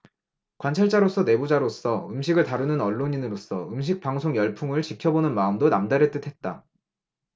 관찰자로서 내부자로서 음식을 다루는 언론인으로서 음식 방송 열풍을 지켜보는 마음도 남다를 듯했다